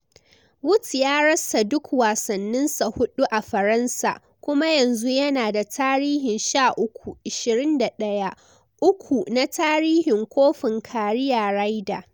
Woods ya rasa duk wasanninsa hudu a Faransa kuma yanzu yana da tarihin 13-21-3 na tarihin kofin career Ryder.